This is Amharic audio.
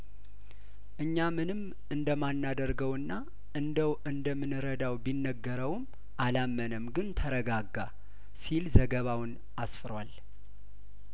እኛምንም እንደማና ደርገውና እንደው እንደምንረዳው ቢነገረውም አላመነም ግን ተረጋጋ ሲል ዘገባውን አስፍሯል